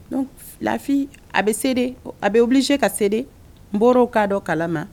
Donc la fille a bɛ ceder a bɛ obliger ka ceder n bɔr'o cas dɔ kalama.